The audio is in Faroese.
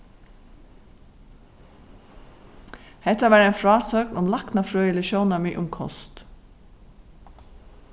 hetta var ein frásøgn um læknafrøðilig sjónarmið um kost